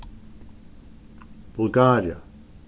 bulgaria